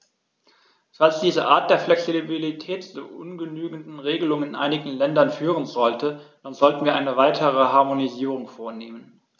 Falls diese Art der Flexibilität zu ungenügenden Regelungen in einigen Ländern führen sollte, dann sollten wir eine weitere Harmonisierung vornehmen.